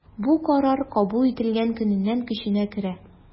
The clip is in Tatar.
Бу карар кабул ителгән көннән көченә керә.